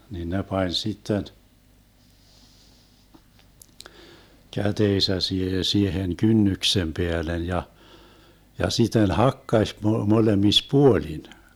niin ne pani sitten kätensä siihen siihen kynnyksen päälle ja ja sitten hakkasi - molemmissa puolin